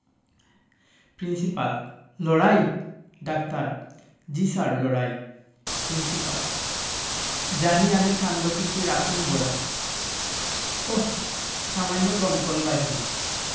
principal লড়াই ডাক্তার জ্বী স্যার লড়াই প্রিন্সিপাল জানি আমি কাণ্ডকীর্তি রাখুন বড়াই ওহ্ সামান্য দমকল বাহিনী